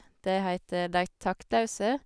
Det heter Dei Taktlause.